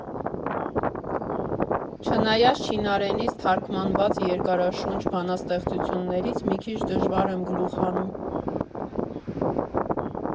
Չնայած չինարենից թարգմանված երկարաշունչ «բանաստեղծություններից» մի քիչ դժվար եմ գլուխ հանում։